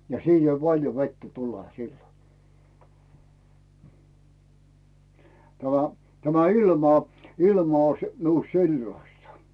ja siinä ei paljon vettä tule silloin tämä tämä ilma ilma olisi minusta sellaista